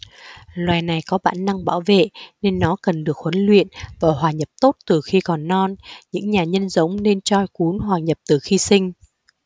loài này có bản năng bảo vệ nên nó cần được huấn luyện và hòa nhập tốt từ khi còn non những nhà nhân giống nên cho cún hòa nhập từ khi sinh